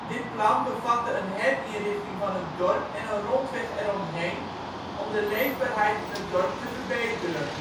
Dit plan bevatte een herinrichting van het dorp en een rondweg eromheen om de leefbaarheid in het dorp te verbeteren